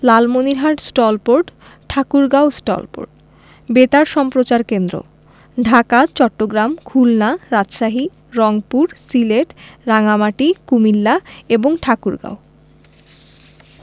Lalmonirhat stall port Thakurgaon stall port বেতার সম্প্রচার কেন্দ্রঃ ঢাকা চট্টগ্রাম খুলনা রাজশাহী রংপুর সিলেট রাঙ্গামাটি কুমিল্লা এবং ঠাকুরগাঁও